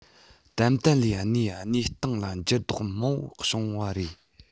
ཏན ཏན ལས གནས གནས སྟངས ལ འགྱུར ལྡོག མང པོ བྱུང བ རེད